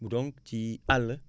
donc ci àll